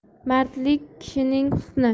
mardlik kishining husni